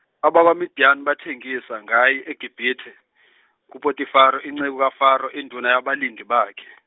abakwaMidiyani bathengisa ngaye eGibithe kuPotifari, inceku kaFaro, induna yabalindi bakhe.